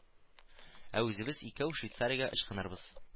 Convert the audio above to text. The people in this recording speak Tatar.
Ә үзебез икәү Швейцариягә ычкынырбыз